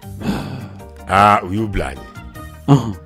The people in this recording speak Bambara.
Aa u y'u bila a ye